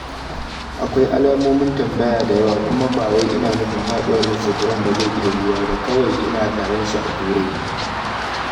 akwai alamomin tambaya da yawa, kuma bawai ina nufin faduwar Mr. Trump ba zai iya yiyuwa ba-kawai na tsaran shi a turai.